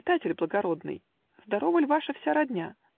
Читатель благородный, Здорова ль ваша вся родня?